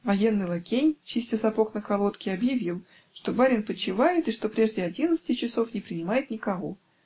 Военный лакей, чистя сапог на колодке, объявил, что барин почивает и что прежде одиннадцати часов не принимает никого.